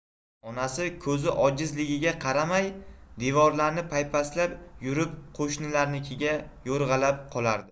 onasi ko'zi ojizligiga qaramay devorlarni paypaslab yurib qo'shnilarnikiga yo'rg'alab qolardi